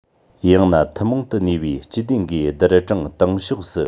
ཡང ན ཐུན མོང དུ གནས པའི སྤྱི སྡེ འགའི བསྡུར གྲངས སྟེང ཕྱོགས སུ